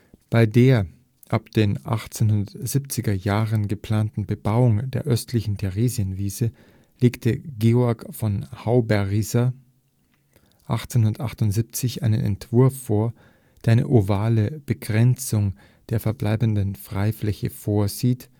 Bei der ab den 1870er Jahren geplanten Bebauung der östlichen Theresienwiese legte Georg von Hauberrisser 1878 einen Entwurf vor, der eine ovale Begrenzung der verbleibenden Freifläche vorsieht